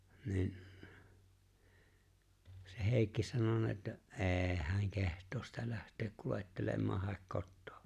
niin se Heikki sanonut että ei hän kehtaa sitä lähteä kuljettelemaan hae kotoa